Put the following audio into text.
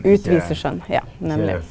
utvisa skjønn ja nemleg.